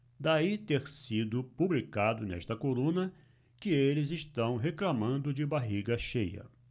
daí ter sido publicado nesta coluna que eles reclamando de barriga cheia